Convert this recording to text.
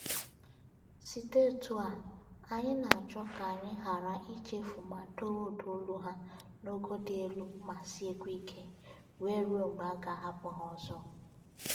Site etu a, anyị na-achọ ka anyị ghara ichefu ma dowe ụdaolu ha n'ogo dị elu ma sikwa ike, wee ruo mgbe a ga-ahapụ ha ọzọ.